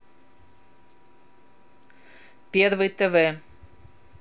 первый тв